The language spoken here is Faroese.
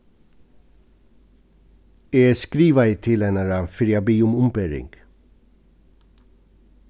eg skrivaði til hennara fyri at biðja um umbering